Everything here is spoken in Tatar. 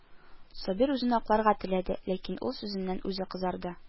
Сабир үзен акларга теләде, ләкин үз сүзеннән үзе кызарды